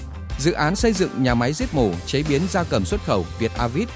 dự án xây dựng nhà máy giết mổ chế biến gia cầm xuất khẩu việt a vít